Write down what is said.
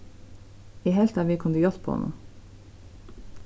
eg helt at vit kundu hjálpa honum